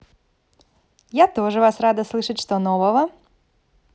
я тоже вас рада слышать что нового